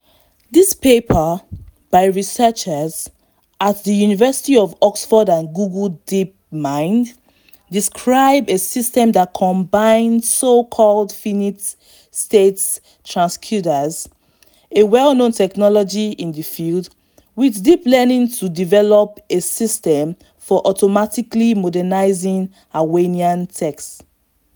This paper, by researchers at the University of Oxford and Google Deep Mind, describes a system that combines so-called “finite state transducers”, a well-known technology in the field, with deep learning to develop a system for automatically modernizing Hawaiian texts.